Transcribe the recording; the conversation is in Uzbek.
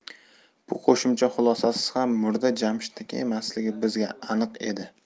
bu qo'shimcha xulosasiz ham murda jamshidniki emasligi bizga aniq edi